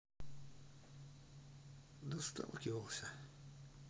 да сталкивался